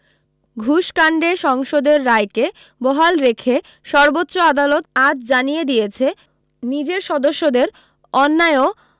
ঘুষ কাণ্ডে সংসদের রায়কে বহাল রেখে সর্বোচ্চ আদালত আজ জানিয়ে দিয়েছে নিজের সদস্যদের অন্যায়েও